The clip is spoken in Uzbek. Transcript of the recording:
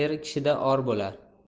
er kishida or bo'lar